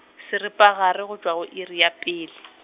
seripagare go tšwa go iri ya pele.